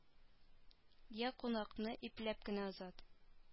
Йә кунакны ипләп кенә озат